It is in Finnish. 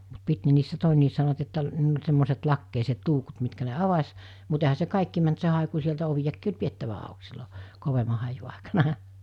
mutta piti ne niissä todenkin sanovat että niillä oli semmoiset lakeiset luukut mitkä ne avasi mutta eihän se kaikki mennyt se haiku sieltä oviakin oli pidettävä auki silloin kovemman haiun aikana